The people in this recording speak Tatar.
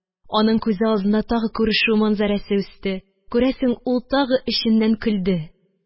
Аның күзе алдында тагы күрешү манзарәсе үтте, күрәсең, ул тагы эченнән көлде.